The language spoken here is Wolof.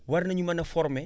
war nañu mën a formé